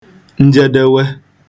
njedewe